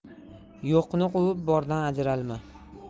yo'qni quvib bordan ajralma